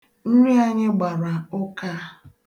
Nri anyị gbara ụka.